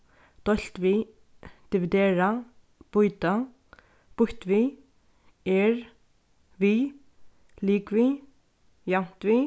deilt við dividera býta býtt við er við ligvið javnt við